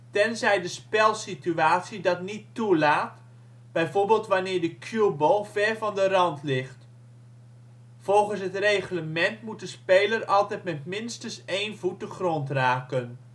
tenzij de spelsituatie dat niet toelaat (bijvoorbeeld wanneer de cueball ver van de rand ligt). Volgens het reglement moet de speler altijd met minstens één voet de grond raken